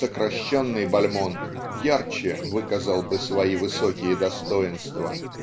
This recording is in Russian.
сокращенный Бальмонт ярче выказал бы свои высокие достоинства.